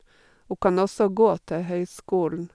Hun kan også gå til høyskolen.